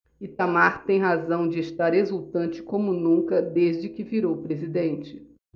itamar tem razão de estar exultante como nunca desde que virou presidente